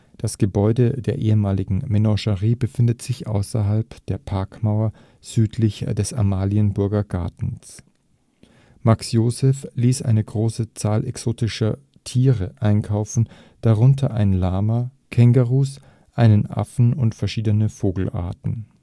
Das Gebäude der ehemaligen Menagerie befindet sich außerhalb der Parkmauer südlich des Amalienburger Gartens. Max Joseph ließ eine große Zahl exotischer Tiere einkaufen, darunter ein Lama, Kängurus, einen Affen und verschiedene Vogelarten